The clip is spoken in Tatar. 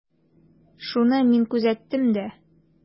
Шуны мин күзәттем дә.